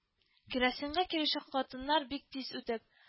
Керосинга килүче хатыннар, бик тиз үтеп: